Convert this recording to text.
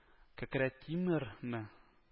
Кәкре тимер ме